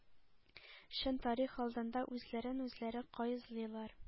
Чын тарих алдында үзләрен үзләре каезлыйлар.